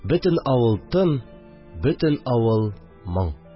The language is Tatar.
Бөтен авыл тын, бөтен авыл моң